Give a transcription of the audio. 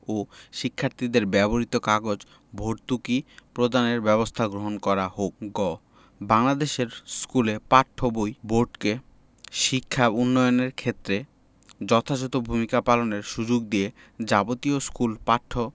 ও শিক্ষার্থীদের ব্যবহৃত কাগজ ভর্তুকি প্রদানের ব্যবস্থা গ্রহণ করা হোক গ বাংলাদেশের স্কুলে পাঠ্য বই বোর্ডকে শিক্ষা উন্নয়নের ক্ষেত্রে যথাযথ ভূমিকা পালনের সুযোগ দিয়ে যাবতীয় স্কুল পাঠ্য